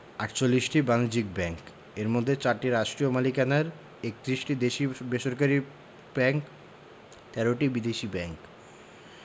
৪৮টি বাণিজ্যিক ব্যাংক এর মধ্যে ৪টি রাষ্ট্রীয় মালিকানায় ৩১টি দেশী বেসরকারি ব্যাংক ১৩টি বিদেশী ব্যাংক